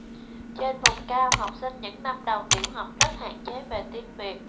trên vùng cao học sinh những năm đầu tiểu học rất hạn chế về tiếng việt